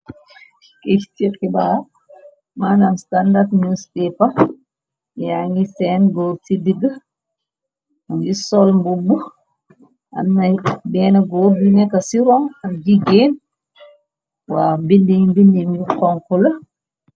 Keyti xibar manam standard newspaper yaa ngi seen goor ci diggi ngi sol mbubbu anay benn góor di nekka ci ron ak jiggéen waa bindi yi bindi yu xonku la.